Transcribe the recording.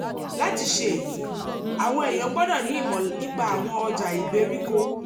Láti ṣe èyí, àwọn èèyàn gbọdọ̀ ní ìmọ̀ nípa àwọn ọjà ìgbèríko.